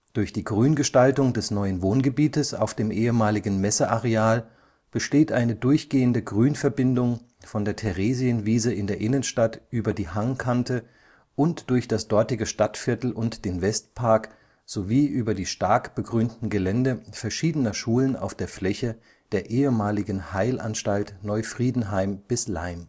Durch die Grüngestaltung des neuen Wohngebietes auf dem ehemaligen Messeareal besteht eine durchgehende Grünverbindung von der Theresienwiese in der Innenstadt über die Hangkante und durch das dortige Stadtviertel und den Westpark sowie über die stark begrünten Gelände verschiedener Schulen auf der Fläche der ehemaligen Heilanstalt Neufriedenheim bis Laim